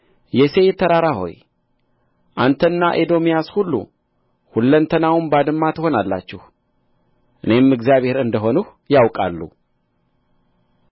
የሴይር ተራራ ሆይ አንተና ኤዶምያስ ሁሉ ሁለንተናውም ባድማ ትሆናላችሁ እኔም እግዚአብሔር እንደ ሆንሁ ያውቃሉ